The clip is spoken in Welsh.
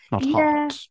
Not hot... Ie.